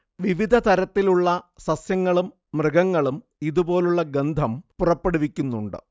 വിവിധതരത്തിലുള്ള സസ്യങ്ങളും മൃഗങ്ങളും ഇതു പോലുള്ള ഗന്ധം പുറപ്പെടുവിക്കുന്നുണ്ട്